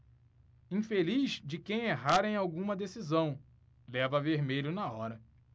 infeliz de quem errar em alguma decisão leva vermelho na hora